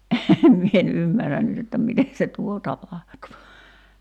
enhän minä en ymmärrä nyt että miten se tuo tapahtuu